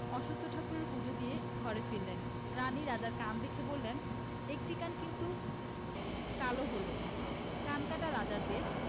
অশ্বত্থ ঠাকুরের পুজো দিয়ে ঘরে ফিরলেন রানী রাজার কান দেখে বললেন একটি কান কিন্তু কালো হল কানকাটা রাজার দেশ'